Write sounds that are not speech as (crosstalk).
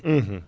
(hesitation) (hesitation)